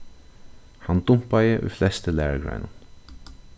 hann dumpaði í flestu lærugreinum